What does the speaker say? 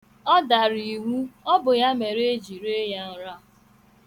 Ọ dara iwu, ọ bụ ya mere eji ree ya nra.